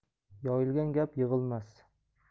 yoyilgan gap yig'ilmas